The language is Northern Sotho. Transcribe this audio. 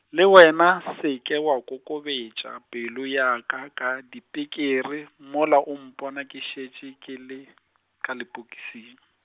le wena se ke wa kokobetša pelo ya ka ka dipikiri, mola o mpona ke šetše ke le , ka lepokising.